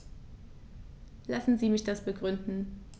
Lassen Sie mich das begründen.